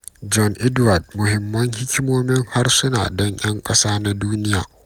John Edward: Muhimman hikimomin harsuna don ‘yan kasa na duniya